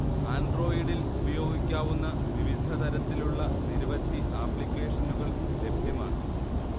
ആൻഡ്രോയ്ഡിൽ ഉപയോഗിക്കാവുന്ന വിവിധതരത്തിലുള്ള നിരവധി ആപ്ലിക്കേഷനുകൾ ലഭ്യമാണ്